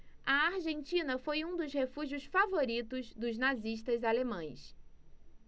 a argentina foi um dos refúgios favoritos dos nazistas alemães